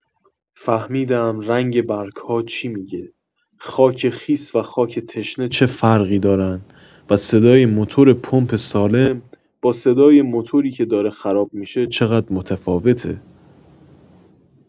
فهمیدم رنگ برگ‌ها چی می‌گه، خاک خیس و خاک تشنه چه فرقی دارن و صدای موتور پمپ سالم با صدای موتوری که داره خراب می‌شه، چقدر متفاوته.